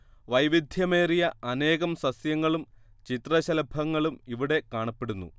വൈവിദ്ധ്യമേറിയ അനേകം സസ്യങ്ങളും ചിത്രശലഭങ്ങളും ഇവിടെ കാണപ്പെടുന്നു